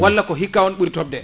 walla ko hikka on ɓuuri tobde